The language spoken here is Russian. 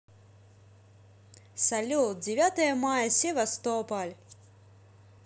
салют девятое мая севастополь